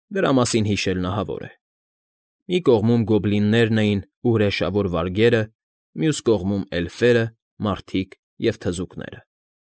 Դրա մասին հիշելն ահավոր է։ Մի կողմում գոբլիններն էին ու հրեշավոր վարգերը, մյուս կողմում՝ էլֆերը, մարդիկ և թզուկները։